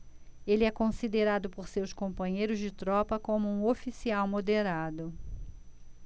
ele é considerado por seus companheiros de tropa como um oficial moderado